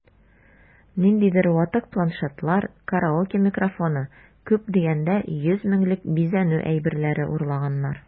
Ниндидер ватык планшетлар, караоке микрофоны(!), күп дигәндә 100 меңлек бизәнү әйберләре урлаганнар...